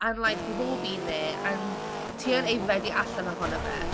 And like we've all been there and ti yn aeddfedu allan ohonno fe...